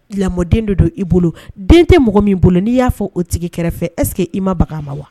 Lamɔden don don i bolo den tɛ mɔgɔ min bolo n'i y'a fɔ o tigi kɛrɛfɛ ɛsseke i ma bagan ma wa